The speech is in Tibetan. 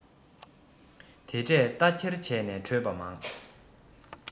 དེ འདྲས རྟ འཁྱེར བྱས ནས བྲོས པ མང